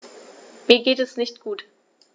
Mir geht es nicht gut.